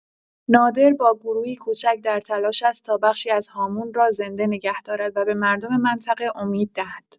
نادر با گروهی کوچک در تلاش است تا بخشی ازهامون را زنده نگه دارد و به مردم منطقه امید دهد.